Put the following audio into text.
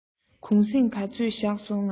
གུང གསེང ག ཚོད བཞག སོང ངམ